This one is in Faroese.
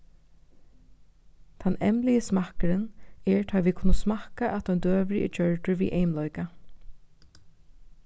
tann eymligi smakkurin er tá ið vit kunnu smakka at ein døgurði er gjørdur við eymleika